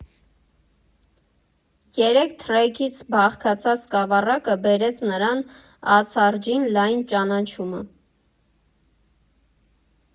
Երեք թրեքից բաղկացած սկավառակը բերեց նրան ացառջին լայն ճանաչումը։